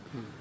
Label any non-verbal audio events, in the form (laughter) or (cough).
(hesitation) (hesitation)